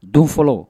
Don fɔlɔ